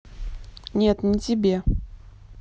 нет не тебе